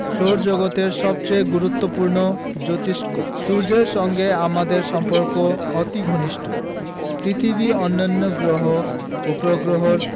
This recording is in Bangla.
সৌরজগতের সবচেয়ে গুরুত্বপূর্ণ জোতিষ্ক সূর্যের সঙ্গে আমাদের সম্পর্ক অতি ঘনিষ্ট পৃথিবী অন্যান্য গ্রহ উপগ্রহের